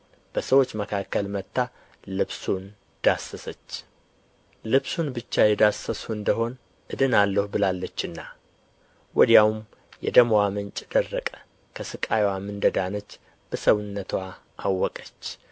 በሰዎች መካከል መጥታ ልብሱን ዳሰሰች ልብሱን ብቻ የዳሰስሁ እንደ ሆነ እድናለሁ ብላለችና ወዲያውም የደምዋ ምንጭ ደረቀ ከሥቃይዋም እንደዳነች በሰውነትዋ አወቀች